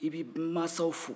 i bɛ dumasaw fo